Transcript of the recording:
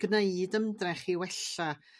gneud ymdrech i wella